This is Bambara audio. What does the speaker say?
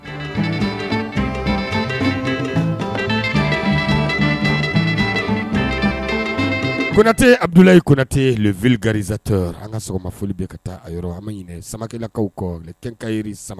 Konatɛ Abudulayi konatɛ le vulgarisateur an ka sɔgɔmafoli bɛ ka taa a yɔrɔ, an ma ɲinɛ Samakelakaw kɔ les quincailleries Sama